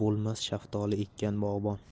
bo'lmas shaftoli ekkan bog'bon